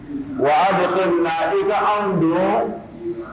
Wa nka i'an minɛ